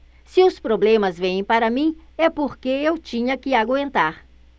se os problemas vêm para mim é porque eu tinha que aguentar